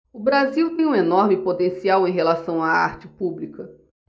o brasil tem um enorme potencial em relação à arte pública